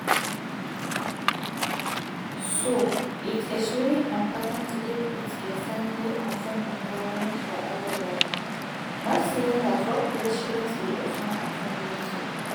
So, it is really important to keep it a friendly and fun environment for everybody (not saying that work places shouldn’t be fun and friendly too…).